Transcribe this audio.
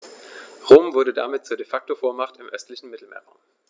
Rom wurde damit zur ‚De-Facto-Vormacht‘ im östlichen Mittelmeerraum.